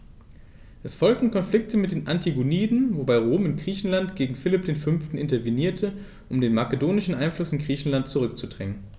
Es folgten Konflikte mit den Antigoniden, wobei Rom in Griechenland gegen Philipp V. intervenierte, um den makedonischen Einfluss in Griechenland zurückzudrängen.